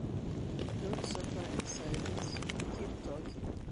Don’t suffer in silence — keep talking